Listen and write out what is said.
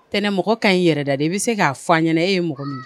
Tɛnɛn mɔgɔ ka ɲi yɛrɛ da de bɛ se k'a fɔ a ɲɛna e ye mɔgɔ ye